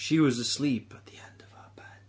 She was asleep at the end of our bed.